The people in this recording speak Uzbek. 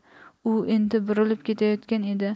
u endi burilib ketayotgan edi